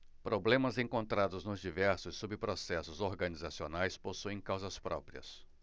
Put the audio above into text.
problemas encontrados nos diversos subprocessos organizacionais possuem causas próprias